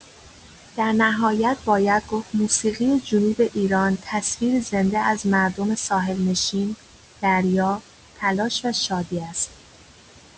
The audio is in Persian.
در نهایت باید گفت موسیقی جنوب ایران تصویری زنده از مردم ساحل‌نشین، دریا، تلاش و شادی است.